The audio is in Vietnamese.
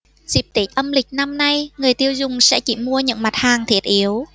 dịp tết âm lịch năm nay người tiêu dùng sẽ chỉ mua những mặt hàng thiết yếu